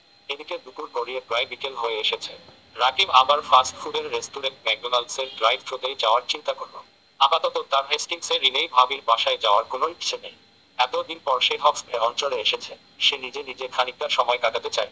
এদিকে দুপুর গড়িয়ে প্রায় বিকেল হয়ে এসেছে রাকিব আবার ফাস্ট ফুডের রেস্টুরেন্ট ম্যাকডোনাল্ডসের ড্রাইভ থ্রোতেই যাওয়ার চিন্তা করল আপাতত তার হেস্টিংসে রিনেই ভাবির বাসায় যাওয়ার কোনো ইচ্ছে নেই এত দিন পর সে হকস বে অঞ্চলে এসেছে সে নিজে নিজে খানিকটা সময় কাটাতে চায়